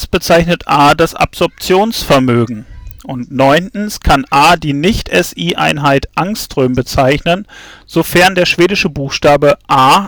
bezeichnet A das Absorptionsvermögen kann A die nicht-SI-Einheit Ångström bezeichnen, sofern der schwedische Buchstabe „ Å